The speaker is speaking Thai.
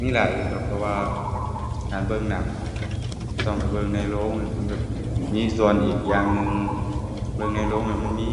มีหลายอยู่ครับ เพราะว่าการเบิ่งหนัง ต้องไปเบิ่งในโรงนี่มันก็มีส่วนอีกอย่างหนึ่ง เบิ่งในโรงแล้วมันมี